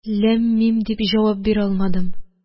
«ләм-мим» дип җавап бирә алмадым.